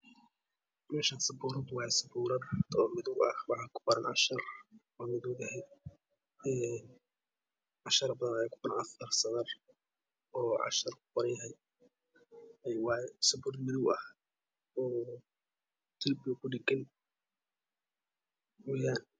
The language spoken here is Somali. Meeshaan sabuurad waaye. Sabuurad oo mid ah waxa ku qoran cashir. Cashiro badan ayaa ku qoran afar sadar oo casharo ku qoranyahay. Ee waaye sabuurad madow ah. oo darbiga ku dhagan